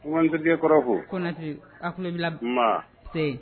N b'a terikɛkɔrɔ fɔ, Konate, a tulo b'i la, nba.